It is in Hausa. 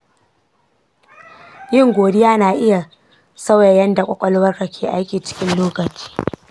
yin godiya na iya sauya yadda kwakwalwa ke aiki cikin lokaci.